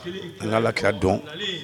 An alaki dɔn